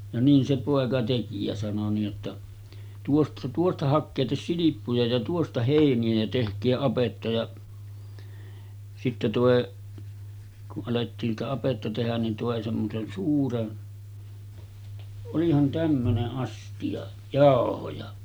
ja niin se poika teki ja sanoi niin jotta - tuosta hakekaa silppuja ja tuosta heiniä ja tehkää apetta ja sitten toi kun alettiin sitä apetta tehdä niin toi semmoisen suuren olihan tämmöinen astia jauhoja